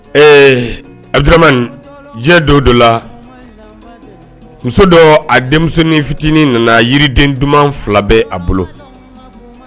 Ee Abramane diɲɛ don dɔ la muso dɔɔ a denmusonin fitinin nana yiriden duman 2 bɛ a bolo